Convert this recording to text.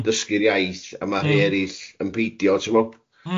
### dysgu'r iaith, a ma' rhei erill yn peidio t'mod... Mm.